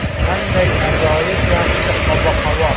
qanday ajoyib yaxshi ob havo